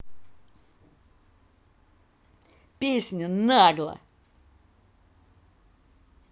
песня нагло